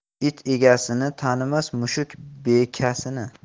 it egasini tanimas mushuk bekasini